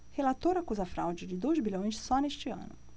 relator acusa fraude de dois bilhões só neste ano